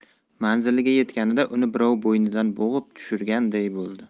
manziliga yetganida uni birov bo'ynidan bo'g'ib tushirganday bo'ldi